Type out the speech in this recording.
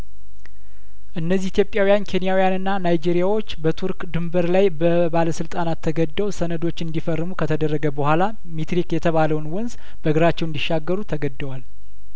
እነዚህ ኢትዮጵያውያን ኬንያዊያንና ናይጄሪያዎች በቱርክ ድንበር ላይ በባለስልጣናት ተገደው ሰነዶች እንዲ ፈርሙ ከተደረገ በኋላ ሚትሪክ የተባለውን ወንዝ በእግራቸው እንዲሻገሩ ተገደዋል